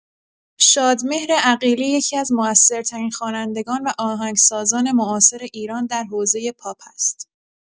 شادمهر عقیلی یکی‌از مؤثرترین خوانندگان و آهنگسازان معاصر ایران در حوزه پاپ است.